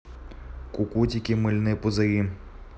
кукутики мыльные пузыри